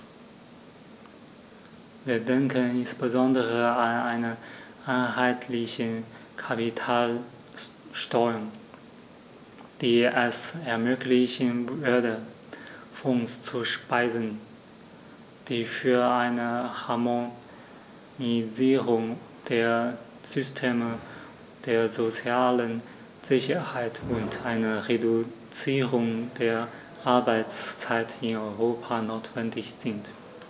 Wir denken insbesondere an eine einheitliche Kapitalsteuer, die es ermöglichen würde, Fonds zu speisen, die für eine Harmonisierung der Systeme der sozialen Sicherheit und eine Reduzierung der Arbeitszeit in Europa notwendig sind.